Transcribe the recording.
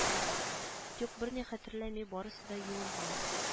Юк берни хәтерләми барысы да юылган